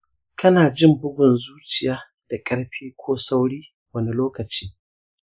kana jin bugun zuciya da ƙarfi ko sauri wani lokaci?